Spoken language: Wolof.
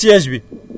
pièce yi quoi maanaam